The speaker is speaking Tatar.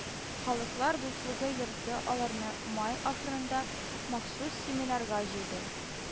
Халыклар дуслыгы йорты аларны май ахырында махсус семинарга җыйды